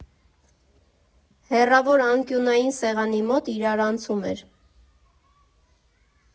Հեռավոր անկյունային սեղանի մոտ իրարանցում էր։